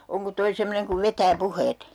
onko tuo semmoinen kun vetää puheet